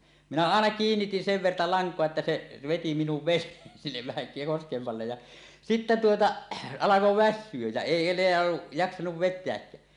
minä aina kiinnitin sen verta lankaa että se veti minun veneen sinne vähän kosken alle ja sitten tuota alkaa väsyä ja ei enää jaksanut vetääkään